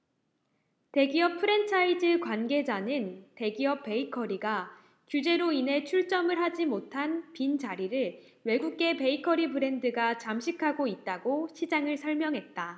대기업 프랜차이즈 관계자는 대기업 베이커리가 규제로 인해 출점을 하지 못한 빈 자리를 외국계 베이커리 브랜드가 잠식하고 있다고 시장을 설명했다